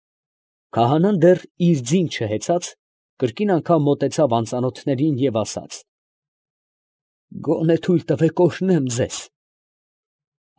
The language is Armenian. Քահանան դեռ իր ձին չհեծած, կրկին անգամ մոտեցավ անծանոթներին և ասաց. ֊ Գոնե թույլ տվեք, օրհնեմ ձեզ։ ֊